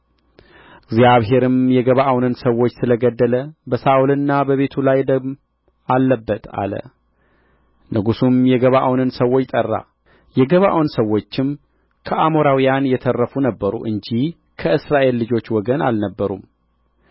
እግዚአብሔርም የገባዖንን ሰዎች ስለ ገደለ በሳኦልና በቤቱ ላይ ደም አለበት አለ ንጉሡም የገባዖንን ሰዎች ጠራ የገባዖን ሰዎችም ከአሞራውያን የተረፉ ነበሩ እንጂ ከእስራኤል ልጆች ወገን አልነበሩም